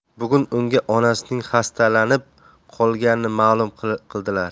bugun unga onasining xastalanib qolganini ma'lum qildilar